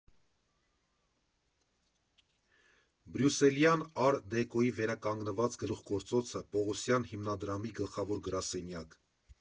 Բրյուսելյան ար֊դեկոյի վերականգնված գլուխգործոցը՝ Պողոսյան հիմնադրամի գլխավոր գրասենյակ։